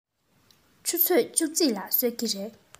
ཆུ ཚོད བཅུ གཅིག ལ གསོད ཀྱི རེད